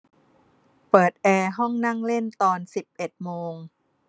เปิดแอร์ห้องนั่งเล่นตอนสิบเอ็ดโมง